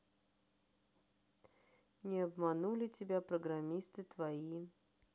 не обманули тебя программисты твои